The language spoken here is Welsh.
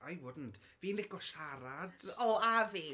I wouldn't. Fi'n lico siarad... O, a fi.